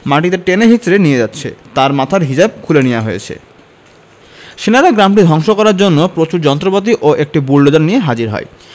মাটিতে টেনে হেঁচড়ে নিয়ে যাচ্ছে তার মাথার হিজাব খুলে নেওয়া হয়েছে সেনারা গ্রামটি ধ্বংস করার জন্য প্রচুর যন্ত্রপাতি ও একটি বুলডোজার নিয়ে হাজির হয়